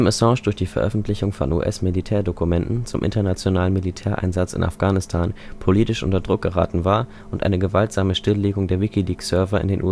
Assange durch die Veröffentlichung von US-Militärdokumenten zum internationalen Militäreinsatz in Afghanistan politisch unter Druck geraten und eine gewaltsame Stilllegung der WikiLeaks-Server in